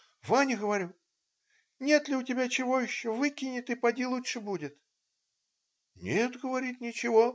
Ваня, говорю, нет ли у тебя чего еще, викини ты, поди лучше будет. нет, говорит, ничего.